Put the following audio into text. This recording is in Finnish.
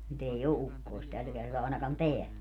nyt ei ole ukkosta tällä kertaa ainakaan täällä